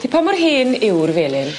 'Lly pa mor hen yw'r Felin?